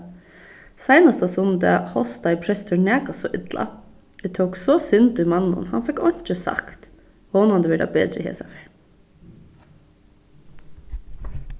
seinasta sunnudag hostaði prestur nakað so illa eg tók so synd í manninum hann fekk einki sagt vónandi verður tað betri hesa ferð